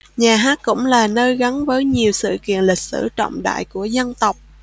nhà hát cũng là nơi gắn với nhiều sự kiện lịch sử trọng đại của dân tộc